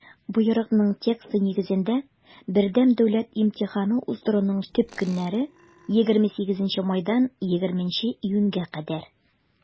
Боерыкның тексты нигезендә, БДИ уздыруның төп көннәре - 28 майдан 20 июньгә кадәр.